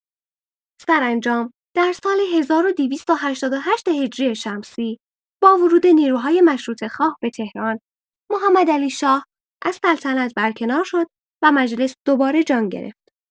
سرانجام در سال ۱۲۸۸ هجری شمسی با ورود نیروهای مشروطه‌خواه به تهران، محمدعلی‌شاه از سلطنت برکنار شد و مجلس دوباره جان گرفت.